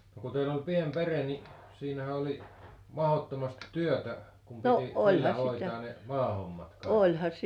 no kun teillä oli pieni perhe niin siinähän oli mahdottomasti työtä kun piti siinä hoitaa ne maahommat kaikki